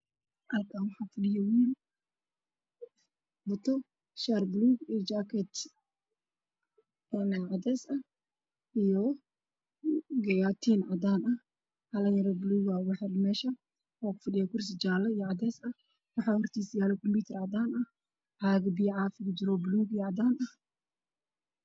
Halkaan waxaa fadhiyo nin wato shaar buluug, jaakad cadeys ah iyo tay buluug ah, waxuu kufadhiyaa kursi jaale iyo cadeys ah, waxaa horyaalo kumiitar cadaan ah caag biyo caafi kujiro oo buluug iyo cadaan ah.